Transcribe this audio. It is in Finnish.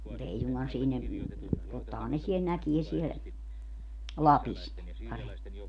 mutta ei suinkaan siinä tottahan ne siellä näkee siellä Lapissa ne paremmin